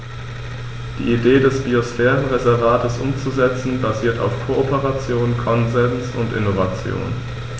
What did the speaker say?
Die Idee des Biosphärenreservates umzusetzen, basiert auf Kooperation, Konsens und Innovation.